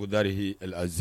Ko drih z